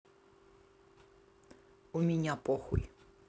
у меня похуй